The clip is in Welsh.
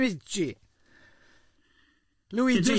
-igi, Luigi?